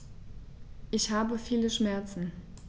Ich habe viele Schmerzen.